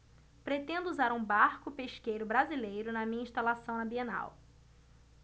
pretendo usar um barco pesqueiro brasileiro na minha instalação na bienal